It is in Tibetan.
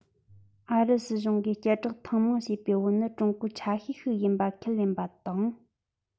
ཨ རི སྲིད གཞུང གིས བསྐྱར བསྒྲགས ཐེངས མང བྱས པའི བོད ནི ཀྲུང གོའི ཆ ཤས ཤིག ཡིན པ ཁས ལེན པ དང